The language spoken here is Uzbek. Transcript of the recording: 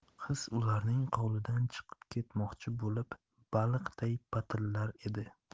qiz ularning qo'lidan chiqib ketmoqchi bo'lib baliqday patillar edi